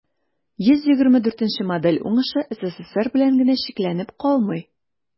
124 нче модель уңышы ссср белән генә чикләнеп калмый.